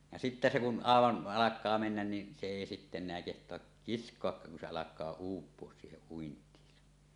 ja sitten se kun aivan alkaa mennä niin se ei sitten enää kehtaa kiskoakkaan kun se alkaa uupua siihen uintiinsa